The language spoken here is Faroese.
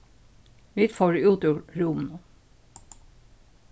vit fóru út úr rúminum